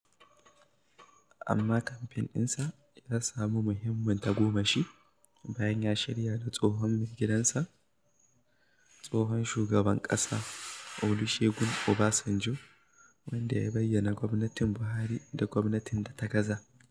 Amma kamfen ɗinsa ya samu muhimmin tagomashi bayan ya shirya da tsohon mai gidansa, tsohon shugaban ƙasa Olusegun Obasanjo - wanda ya bayyana gwamnatin Buhari da gwamnatin da ta gaza.